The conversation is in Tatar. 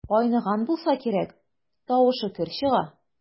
Айныган булса кирәк, тавышы көр чыга.